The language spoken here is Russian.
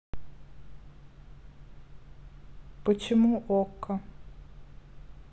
почему okko